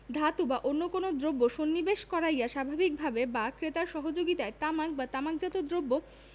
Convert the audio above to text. ধাতু বা অন্য কোন দ্রব্য সন্নিবেশ করাইয়া স্বাভাবিকভাবে বা ক্রেতার সহযোগিতায় তামাক বা তামাকজাত দ্রব্য